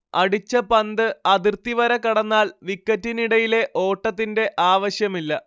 അടിച്ച പന്ത് അതിർത്തിവര കടന്നാൽ വിക്കറ്റിനിടയിലെ ഓട്ടത്തിന്റെ ആവശ്യമില്ല